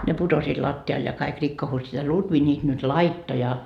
ne putosivat lattialle ja kaikki rikkoutuivat a Lutvi niitä nyt laittoi ja